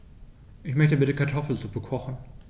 Ich möchte bitte Kartoffelsuppe kochen.